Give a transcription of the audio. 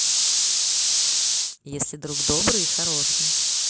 если друг добрый и хороший